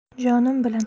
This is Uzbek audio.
jonim bilan